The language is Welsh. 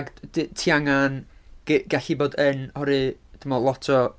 Ac d- ti angen g- gallu bod yn... oherwydd, dwi'n meddwl, lot o...